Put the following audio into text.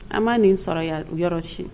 An b'a nin sɔrɔ u yɔrɔ si